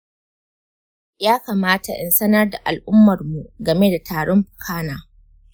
ya kamata in sanar da al'ummarmu game da tarin fuka na?